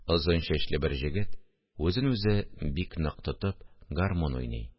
Озын чәчле бер җегет, үзен үзе бик нык тотып, гармун уйный